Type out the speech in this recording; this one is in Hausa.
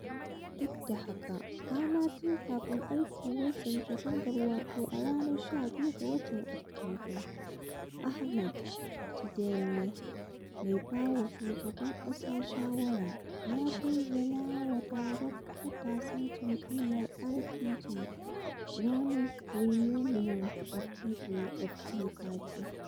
Duk da haka, kwana biyu kafin ɓarkewar zanga-zangar wato a ranar 12 ga watan Oktoba, Ahmed Tidiane, mai ba wa shugaban ƙasa shawara, ya bayyanawa taron matasan jam'iyyar RPG [ruling Reunion of the People of Guinea party]: